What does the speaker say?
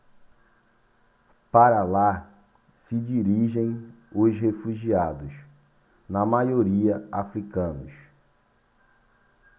para lá se dirigem os refugiados na maioria hútus